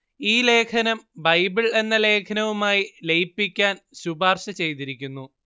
ഈ ലേഖനം ബൈബിള്‍ എന്ന ലേഖനവുമായി ലയിപ്പിക്കാന് ശുപാര്ശ ചെയ്തിരിക്കുന്നു